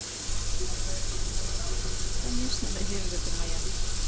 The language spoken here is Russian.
конечно надежда ты моя